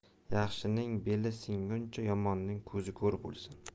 yaxshining beli singuncha yomonning ko'zi ko'r bo'lsin